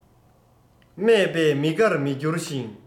སྨད པས མི དགར མི འགྱུར ཞིང